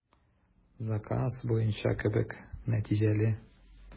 Заказ буенча кебек, нәтиҗәле.